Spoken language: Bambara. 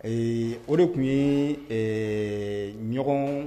Ee o de tun ye ɲɔgɔn